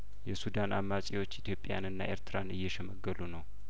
የሱዳን አማጺዎች ኢትዮጵያንና ኤርትራን እየሸ መገሉ ነው